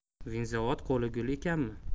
vinzavod qo'li gul ekanmi